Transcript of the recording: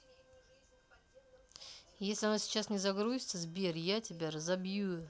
если оно сейчас не загрузится сбер я тебя разобью